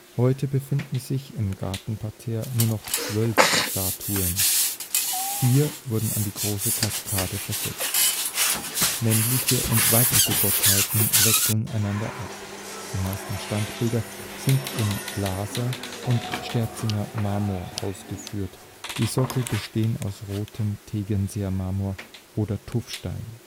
heute befinden sich im Gartenparterre nur noch zwölf Statuen, vier wurden an die Große Kaskade versetzt. Männliche und weibliche Gottheiten wechseln einander ab. Die meisten Standbilder sind in Laaser und Sterzinger Marmor ausgeführt, die Sockel bestehen aus rotem Tegernseer Marmor oder Tuffstein